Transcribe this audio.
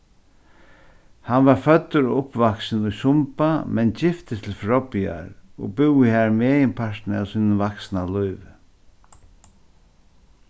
hann varð føddur og uppvaksin í sumba men giftist til froðbiar og búði har meginpartin av sínum vaksna lívi